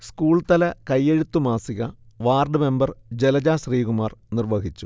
സ്കൂൾതല കയെഴുത്തു മാസിക ward member Jalaja Sreekumar നിർവഹിച്ചു